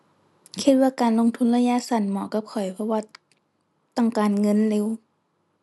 คิดว่าการลงทุนระยะสั้นเหมาะกับข้อย เพราะว่าต้องการเงินเร็ว